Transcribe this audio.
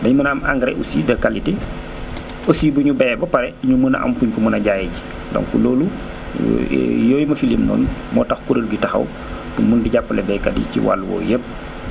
dinañ mën a am engrais aussi de qaulité aussi bu ñu bayee ba pare ñu mën a am fuñ ko mën a jaayee ji donc loolu yooyu ma fi lim noonu moo tax kuréel gi taxaw mën di jàppale baykat yi ci wàllu woowu yëpp